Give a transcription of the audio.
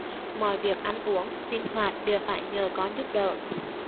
mọi việc ăn uống sinh hoạt đều phải nhờ con giúp đỡ